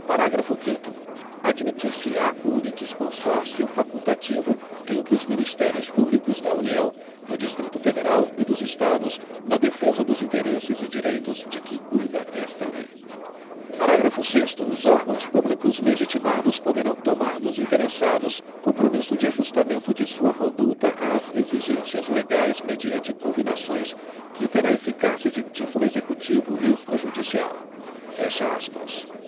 parágrafo quinto admitir se á o litisconsórcio facultativo entre os ministérios públicos da união do distrito federal e dos estados na defesa dos interesses e direitos de que cuida esta lei parágrafo sexto os órgãos públicos legitimados poderão tomar dos interessados compromisso de ajustamento de sua conduta às exigências legais mediante combinações que terá eficácia de título executivo extrajudicial fecha aspas